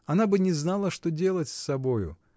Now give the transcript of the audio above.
Она бы не знала, что делать с собой.